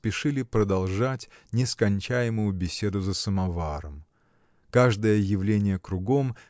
спешили продолжать нескончаемую беседу за самоваром. Каждое явление кругом